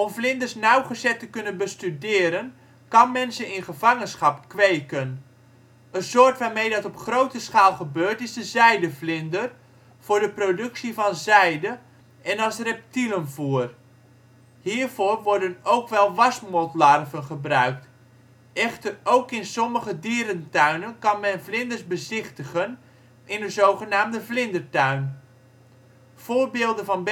vlinders nauwgezet te kunnen bestuderen kan men ze in gevangenschap kweken. Een soort waarmee dat op grote schaal gebeurt is de zijdevlinder, voor de productie van zijde en als reptielenvoer. Hiervoor worden ook wel wasmotlarven gebruikt. Echter ook in sommige dierentuinen kan men vlinders bezichtigen in een zogenaamde vlindertuin. Voorbeelden van